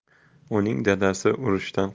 uning dadasi urushdan